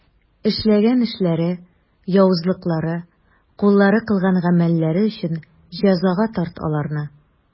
Эшләгән эшләре, явызлыклары, куллары кылган гамәлләре өчен җәзага тарт аларны.